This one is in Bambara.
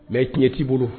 Mɛ tiɲɛ t'i bolo